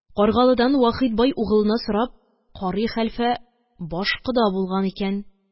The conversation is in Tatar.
Каргалыдан Вахит бай угылына сорап, карый хәлфә баш кода булган икән